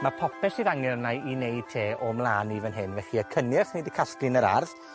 Ma popeth sydd angen arna i i wneud te o mla'n i fy hyn. Felly, y cynnyrch ni 'di casglu yn yr ardd,